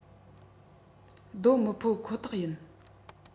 སྡོད མི ཕོད ཁོག ཐག ཡིན